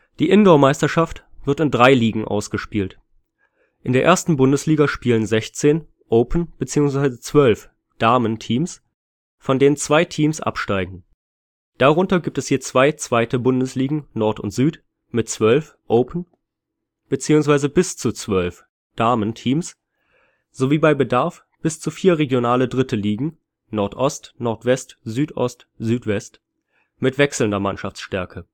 Die Indoor-Meisterschaft wird in drei Ligen ausgespielt. In der ersten Bundesliga spielen 16 (Open) bzw. 12 (Damen) Teams, von denen zwei Teams absteigen. Darunter gibt es je zwei zweite Bundesligen Nord und Süd mit 12 (Open) bzw. bis zu 12 (Damen) Teams sowie bei Bedarf bis zu vier regionale 3. Ligen (Nordost/Nordwest/Südost/Südwest) mit wechselnder Mannschaftsstärke